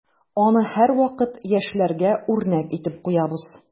Аны һәрвакыт яшьләргә үрнәк итеп куябыз.